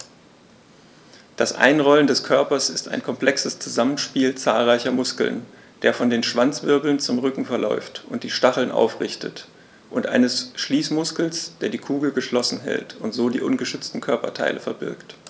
Das Einrollen des Körpers ist ein komplexes Zusammenspiel zahlreicher Muskeln, der von den Schwanzwirbeln zum Rücken verläuft und die Stacheln aufrichtet, und eines Schließmuskels, der die Kugel geschlossen hält und so die ungeschützten Körperteile verbirgt.